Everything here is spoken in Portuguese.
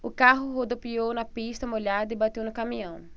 o carro rodopiou na pista molhada e bateu no caminhão